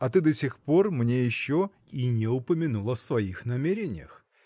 а ты до сих пор мне еще и не помянул о своих намерениях